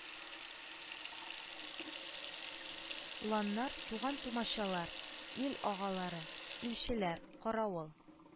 Ланнар, туган-тумачалар, ил агалары, илчеләр, каравыл